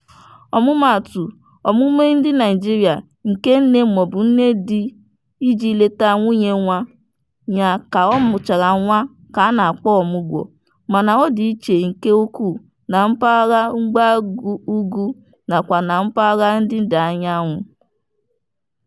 Ọmụmaatụ, omume ndị Naịjirịa nke nne maọbụ nne di ị jee leta nwunye nwa ya ka ọ mụchara nwa ka a na-akpọ omugwo, mana ọ dị iche nke ukwuu na mpaghara mgbagougwu nakwa na mpaghara ndịdaanyanwụ.